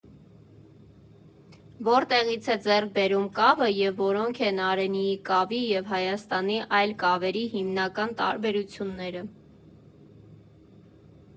Որտեղից է ձեռք բերում կավը և որոնք են Արենիի կավի և Հայաստանի այլ կավերի հիմնական տարբերությունները։